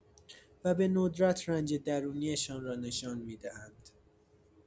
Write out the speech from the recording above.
و به‌ندرت رنج درونی‌شان را نشان می‌دهند.